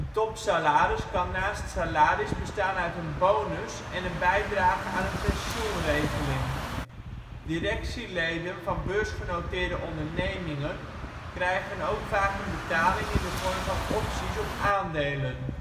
topsalaris kan naast salaris bestaan uit een bonus en een bijdrage aan een pensioenregeling. Directieleden van beursgenoteerde ondernemingen krijgen ook vaak een betaling in de vorm van opties op aandelen